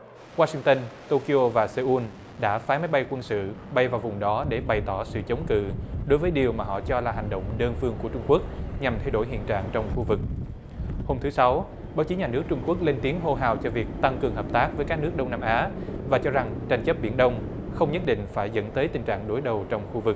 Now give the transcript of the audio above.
oa sinh tơn tô ki ô và xơ un đã phái máy bay quân sự bay vào vùng đó để bày tỏ sự chống cự đối với điều mà họ cho là hành động đơn phương của trung quốc nhằm thay đổi hiện trạng trong khu vực hôm thứ sáu báo chí nhà nước trung quốc lên tiếng hô hào cho việc tăng cường hợp tác với các nước đông nam á và cho rằng tranh chấp biển đông không nhất định phải dẫn tới tình trạng đối đầu trong khu vực